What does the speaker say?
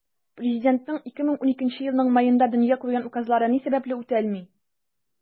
Президентның 2012 елның маенда дөнья күргән указлары ни сәбәпле үтәлми?